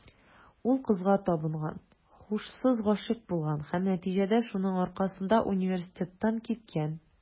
Ул кызга табынган, һушсыз гашыйк булган һәм, нәтиҗәдә, шуның аркасында университеттан киткән.